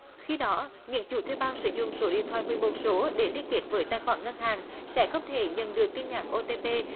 khi đó những chủ thuê bao sử dụng số điện thoại mười một số để liên kết với tài khoản ngân hàng sẽ không thể nhận được tin nhắn ô tê pê